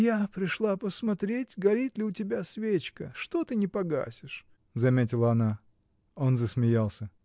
— Я пришла посмотреть, горит ли у тебя свечка: что ты не погасишь? — заметила она. Он засмеялся.